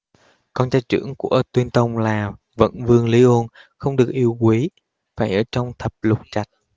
con trai trưởng của tuyên tông là vận vương lý ôn không được yêu quý phải ở trong thập lục trạch